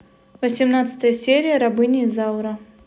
восемнадцатая серия рабыня изаура